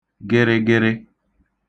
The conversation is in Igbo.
gịrịgịrị